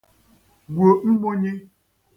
gwù mmūnyī